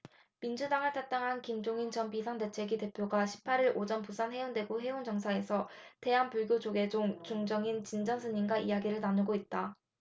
민주당을 탈당한 김종인 전 비상대책위 대표가 십 팔 일 오전 부산 해운대구 해운정사에서 대한불교조계종 종정인 진제 스님과 이야기를 나누고 있다